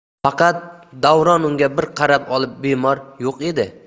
faqat davron unga bir qarab olib bemor yo'q dedi